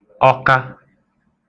Ọka